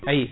ayi